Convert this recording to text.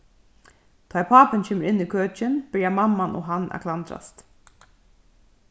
tá ið pápin kemur inn í køkin byrja mamman og hann at klandrast